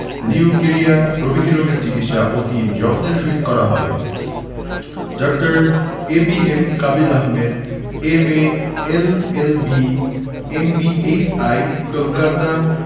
leucorrhoea প্রভৃতি রোগের চিকিৎসা অতি যত্নের সহিত করা হয় ডাঃ A B M Kabil Ahmed M A L L B M B H I Kolkata